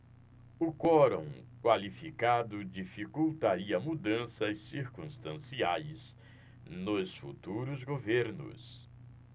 o quorum qualificado dificultaria mudanças circunstanciais nos futuros governos